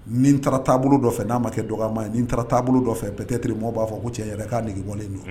Nin taara taabolo dɔ n'a ma kɛ dɔgɔma ye nin taara taabolo dɔ fɛ bɛɛkɛtiri maaw b'a fɔ ko cɛ yɛrɛ k'age bɔlen don